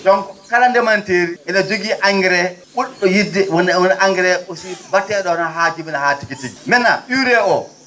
donc kala ndemanteeri ene jogii engrais ?ur?o yi?de woni engrais aussi mba?etee?o tan haa jibina haa tigi tigii maintenant UREE oo